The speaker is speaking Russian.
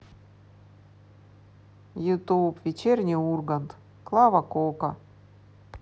ютуб вечерний ургант клава кока